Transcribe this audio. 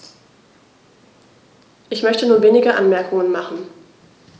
Ich möchte nur wenige Anmerkungen machen.